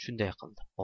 shunday qildi